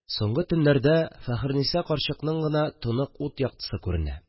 Соңгы төннәрдә Фәхерниса карчыкның гына тонык ут яктысы күренә